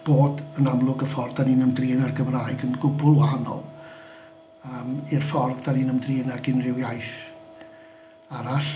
Bod yn amlwg y ffordd dan ni'n ymdrin â'r Gymraeg yn gwbl wahanol yym i'r ffordd dan ni'n ymdrin ag unrhyw iaith arall.